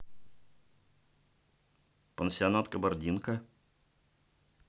пансионат кабардинка